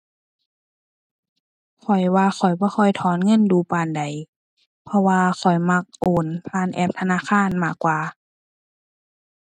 ข้อยว่าข้อยบ่ค่อยถอนเงินดู๋ปานใด เพราะว่าข้อยมักโอนผ่านแอปธนาคารมากกว่า